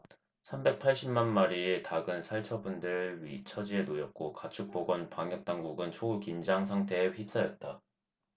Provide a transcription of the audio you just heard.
삼백 팔십 만 마리의 닭은 살처분될 처지에 놓였고 가축보건 방역당국은 초긴장 상태에 휩싸였다